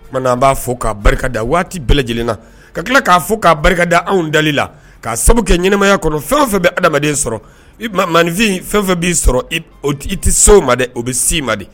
Mana'an b'a fɔ k kaa barika da waati bɛɛ lajɛlenna ka tila k'a fɔ k kaa barika da anw deli la kaa sababu kɛ ɲɛnaɛnɛmaya kɔnɔ fɛn fɛ bɛ adamadamaden sɔrɔ i maninfin fɛn fɛn b'i sɔrɔ i tɛ so ma de o bɛ si ma di